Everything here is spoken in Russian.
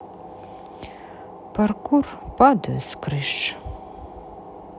паркур падаю с крыш